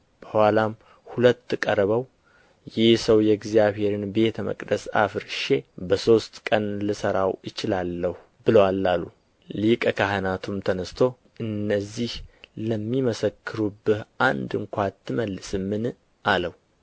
በኋላም ሁለት ቀርበው ይህ ሰው የእግዚአብሔርን ቤተ መቅደስ አፍርሼ በሦስት ቀን ልሠራው እችላለሁ ብሎአል አሉ ሊቀ ካህናቱም ተነሥቶ እነዚህ ለሚመሰክሩብህ አንድ ስንኳ አትመልስምን አለው